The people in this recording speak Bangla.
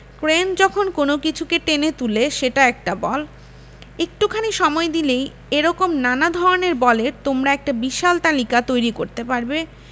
ক্রেন যখন কোনো কিছুকে টেনে তুলে সেটা একটা বল একটুখানি সময় দিলেই এ রকম নানা ধরনের বলের তোমরা একটা বিশাল তালিকা তৈরি করতে পারবে